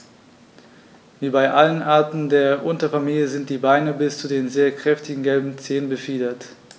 Wie bei allen Arten der Unterfamilie sind die Beine bis zu den sehr kräftigen gelben Zehen befiedert.